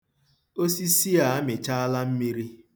Osisi a amịchaala mmiri.